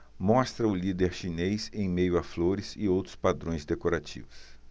mostra o líder chinês em meio a flores e outros padrões decorativos